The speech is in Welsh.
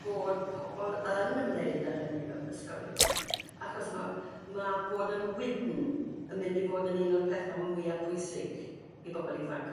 bod pobol yn ymwneud â hynny mewn ysgolion achos ma' ma' bod yn wydn yn mynd i fod yn un o'r petha mwya pwysig i bobl ifanc